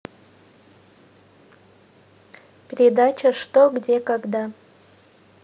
передача что где когда